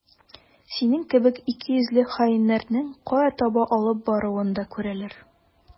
Синең кебек икейөзле хаиннәрнең кая таба алып баруын да күрәләр.